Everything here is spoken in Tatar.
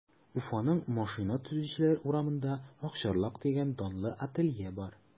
Уфаның Машина төзүчеләр урамында “Акчарлак” дигән данлы ателье бар.